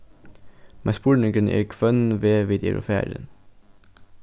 men spurningurin er hvønn veg vit eru farin